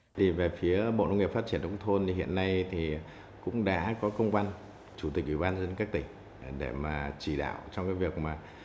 đi về phía bộ nông nghiệp phát triển nông thôn thì hiện nay thì cũng đã có công văn chủ tịch ủy ban dân các tỉnh để mà chỉ đạo trong cái việc mà